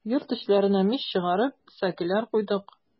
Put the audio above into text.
Йорт эчләренә мич чыгарып, сәкеләр куйдык.